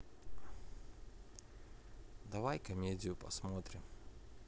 давай комедию посмотрим